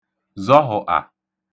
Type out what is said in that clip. zọhụ̀ṫà